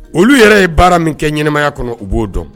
Olu yɛrɛ ye baara min kɛ ɲmaya kɔnɔ u b'o dɔn